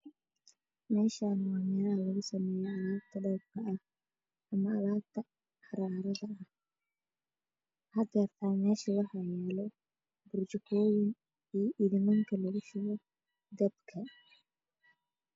Waxaa ii muuqda burjiko iyo dhiil ka sameysan ciid waxaa yaalaan meel bannaan wayna is dirsaaran yihiin